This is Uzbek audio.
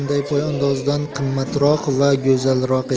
qanday poyandozdan qimmatroq va go'zalroq edi